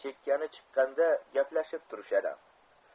chekkani chikqanda gaplashib turishadi